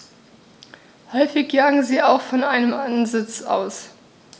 Häufig jagen sie auch von einem Ansitz aus.